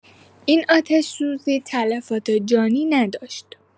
این آتش‌سوزی تلفات جانی نداشت.